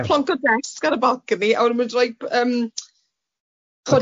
plonco desg ar y balcony a wedyn ma' nw'n roi b- yym